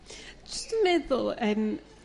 J'st yn meddwl yrm.